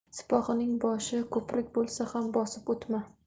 sipohining boshi ko'prikbo'lsa ham bosib o'tma